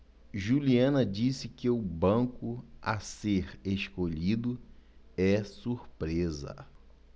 juliana disse que o banco a ser escolhido é surpresa